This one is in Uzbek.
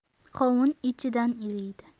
qovun ichidan iriydi